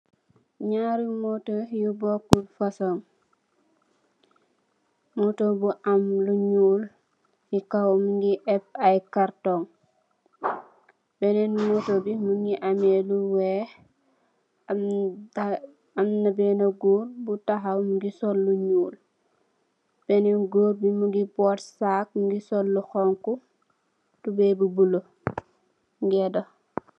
Nyaari motor nyu bokut fason, moto bu amm lu niol si kaw nyungi epp ay karton benen motor bi mugi ammee lu wekh, amna benna gorr bu tahaw mugi sol lu niol. Benen gorr mugi mbot sac, mugi sol lu xonkhu ak tobey bu bulue .